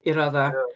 I raddau... ie.